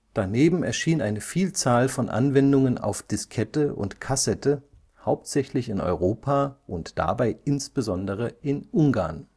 Daneben erschien eine Vielzahl von Anwendungen auf Diskette und Kassette, hauptsächlich in Europa und dabei insbesondere in Ungarn